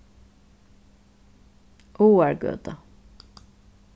áargøta